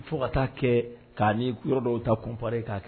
Fo kata kɛ ka ni dɔ ta kunpɛ ka